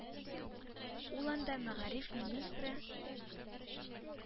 Ул анда Мәгариф министры